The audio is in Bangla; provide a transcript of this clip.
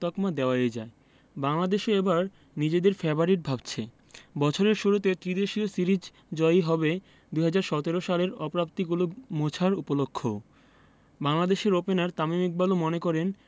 তকমা দেওয়াই যায় বাংলাদেশও এবার নিজেদের ফেবারিট ভাবছে বছরের শুরুতে ত্রিদেশীয় সিরিজ জয়ই হবে ২০১৭ সালের অপ্রাপ্তিগুলো মোছার উপলক্ষও বাংলাদেশের ওপেনার তামিম ইকবালও মনে করেন